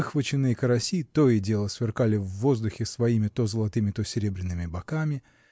выхваченные караси то и дело сверкали в воздухе своими то золотыми, то серебряными боками